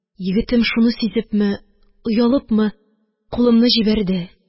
Егетем, шуны сизепме, оялыпмы, кулымны җибәрде.